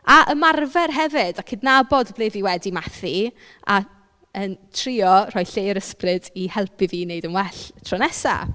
A ymarfer hefyd a cydnabod ble fi wedi mathu a yn trio rhoi lle i'r ysbryd i helpu fi wneud yn well tro nesaf.